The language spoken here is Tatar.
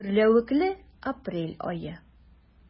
Гөрләвекле апрель ае.